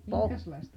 minkäslaista